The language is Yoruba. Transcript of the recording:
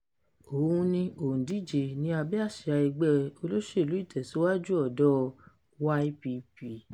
Òun ni òǹdíje ní abẹ́ àsíá Ẹgbẹ́ Olóṣèlú Ìtẹ̀síwájú Ọ̀dọ́ – YPP.